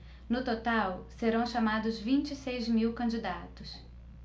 no total serão chamados vinte e seis mil candidatos